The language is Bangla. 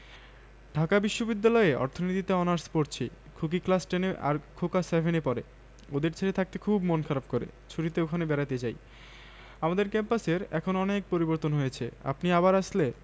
তখন দর্শকদের মধ্য থেকে রসিকতা করে একজন চেঁচিয়ে বললো এত রাতে ঘোড়া পাবেন কই একটি গাধা হলে চলবে অভিনেতাটি তৎক্ষনাত মঞ্চের কিনারে এসে দর্শকদের মধ্যে যেখান থেকে কথাটা এসেছে